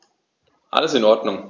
Alles in Ordnung.